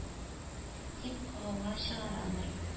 Дип гауга чыгаралар.